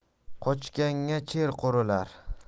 qochganga cher qurilar